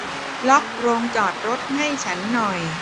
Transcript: ล็อกโรงจอดรถให้ฉันหน่อย